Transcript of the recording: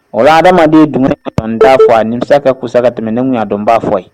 O hadamaden dumuni t'a fɔ a nimisa ka kusa ka tɛmɛn ne ye dɔn b'a fɔ ye